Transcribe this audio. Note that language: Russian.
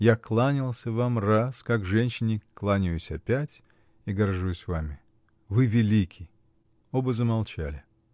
Я кланялся вам раз, как женщине, кланяюсь опять и горжусь вами: вы велики! Оба замолчали.